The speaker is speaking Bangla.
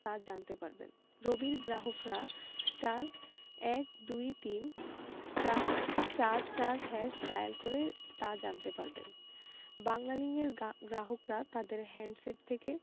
তা জানতে পারবেন রবির গ্রাহকরা *১২৩*৪৪# ডায়াল করে তা জানতে পারবেন বাংলালিংকের গ্রাহকরা তাদের হ্যান্ডসেট থেকে